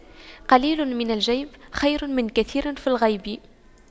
قليل في الجيب خير من كثير في الغيب